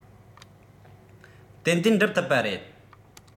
ཏན ཏན སྒྲུབ ཐུབ པ རེད